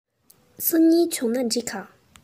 སང ཉིན བྱུང ན འགྲིག ག